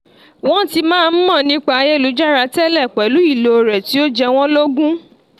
- Wọ́n ti máa ń mọ̀ nípa Ayélujára tẹ́lẹ̀, pẹ̀lú ìlò rẹ̀ tí ó jẹ wọ́n lógún.